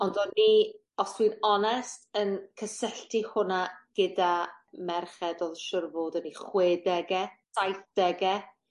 ond o'n i os dwi'n onest yn cysylltu hwnna gyda merched o'dd siŵr o fod yn 'u chwe dege, saith dege.